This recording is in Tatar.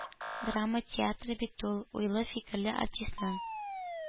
Драма театры бит ул – уйлы, фикерле артистның